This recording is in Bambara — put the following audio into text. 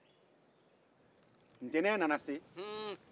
ntɛnɛn nana se